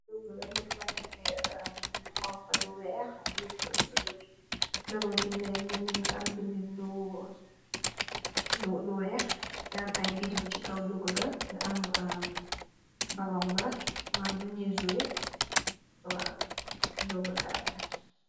luggla log banamem lu xonk lu weex ax lusutuj logb bindi am bindi lu weex ngaam ay bidbu ci kaw loggo ga a baobmaam lu nu zuelogala.